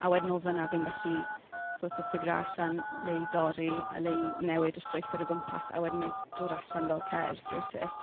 A wedyn o fanna fi'n gallu sort of ffigro allan le i dorri a le i newid y strwythur o gwmpas. A wedyn mae'n dod allan fel cerdd rywsut.